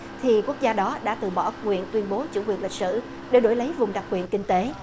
thì quốc gia đó đã từ bỏ quyền tuyên bố chủ quyền lịch sử để đổi lấy vùng đặc quyền kinh tế